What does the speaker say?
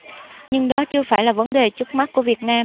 nhưng đó chưa phải là vấn đề trước mắt của việt nam